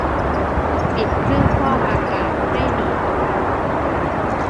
ปิดเครื่องฟอกอากาศให้หน่อย